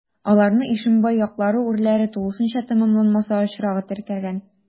Аларны Ишембай яклары урләре тулысынча тәмамланмаса очрагы теркәлгән.